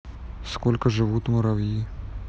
сколько живут муравьи